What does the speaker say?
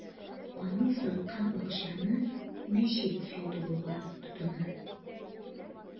Аны саткан акчаны мәчет салдыруга тотына.